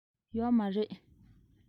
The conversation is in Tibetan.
ཡོད མ རེད